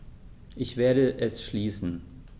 Ich werde es schließen.